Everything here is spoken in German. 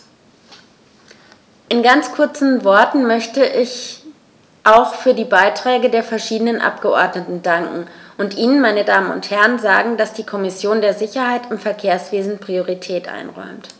In ganz kurzen Worten möchte ich auch für die Beiträge der verschiedenen Abgeordneten danken und Ihnen, meine Damen und Herren, sagen, dass die Kommission der Sicherheit im Verkehrswesen Priorität einräumt.